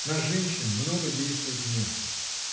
На женщин много действует внешность.